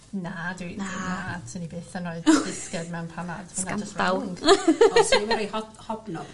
Na dwi... Na. ...na swn i byth yn roid bisged mewn panad. Sgandal! . O swn i'm yn roi ho- hobknob.